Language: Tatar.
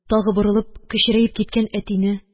Тагы борылып кечерәеп киткән әтине